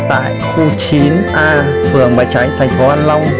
tại khu a phường bãi cháy tp hạ long